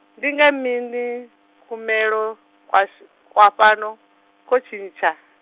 ndinga mini, kumelo, kwashu, kwa fhano, ko tshintsha?